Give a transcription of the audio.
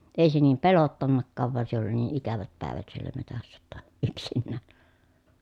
ei se niin pelottanutkaan vaan se oli niin ikävät päivät siellä metsässä jotta yksinään